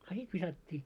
a sitten viskattiin